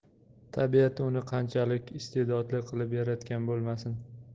tabiat uni qanchalik iste'dodli qilib yaratgan bo'lmasin